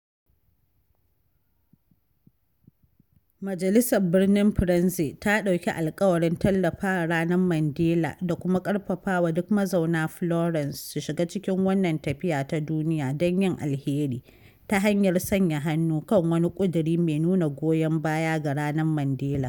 Majalisar Birnin Firenze ta ɗauki alƙawarin tallafawa Ranar Mandela da kuma ƙarfafawa duk mazauna Florence su shiga cikin wannan tafiya ta duniya don yin alheri, ta hanyar sanya hannu kan wani ƙuduri mai nuna goyon baya ga Ranar Mandela.